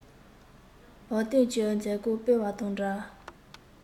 བག སྟོན གྱི མཛད སྒོ སྤེལ བ དང འདྲ